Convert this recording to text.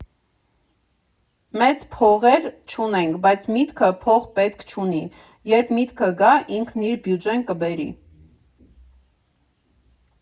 Մեծ փողեր չունենք, բայց միտքը փող պետք չունի, երբ միտքը գա, ինքն իր բյուջեն կբերի։